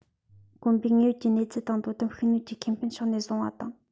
དགོན པའི དངོས ཡོད ཀྱི གནས ཚུལ དང དོ དམ ཤུགས བསྣོན གྱི ཁེ ཕན ཕྱོགས ནས བཟུང བ དང